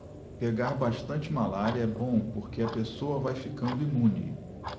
pegar bastante malária é bom porque a pessoa vai ficando imune